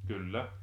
kyllä